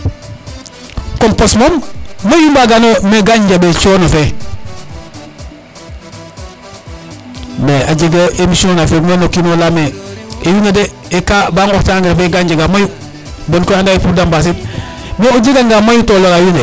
compos moom mayu mbago noyo mais ka njambe yo cono fe mais a jega émission na fiyoguma no kino xe leya me wiin we de ba ngoxta engrais fe ga njega mayu bon kay ande pour de mbasin wo o jega nga mayu to lora wiin we